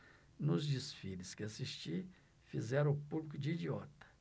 nos desfiles que assisti fizeram o público de idiota